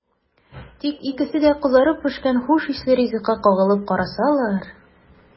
Тик икесе дә кызарып пешкән хуш исле ризыкка кагылып карасалар!